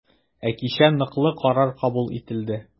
Ә кичә ныклы карар кабул ителде.